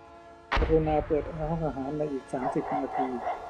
กรุณาเปิดแอร์ห้องอาหารในอีกสามสิบนาที